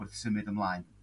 wrth symud ymlaen.